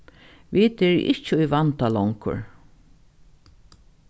vit eru ikki í vanda longur